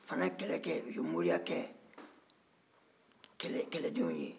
u fana ye kɛlɛ kɛ u ye mɔriya kɛ kɛlɛdenw ye